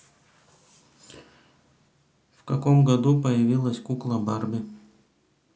а в каком году появилась кукла барби